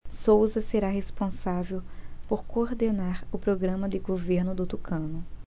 souza será responsável por coordenar o programa de governo do tucano